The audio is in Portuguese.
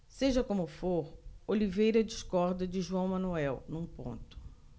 seja como for oliveira discorda de joão manuel num ponto